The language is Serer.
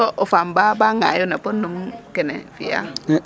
So o faam ba ŋaayu na podnum kene fi'aa ?